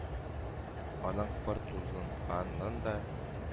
Аның пыр тузынганын да,